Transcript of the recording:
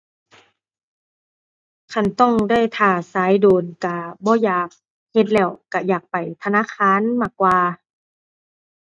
คันต้องได้ท่าสายโดนก็บ่อยากเฮ็ดแล้ว ก็อยากไปธนาคารมากกว่า